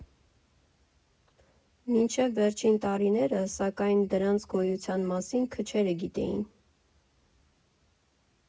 Մինչև վերջին տարիները, սակայն, դրանց գոյության մասին քչերը գիտեին։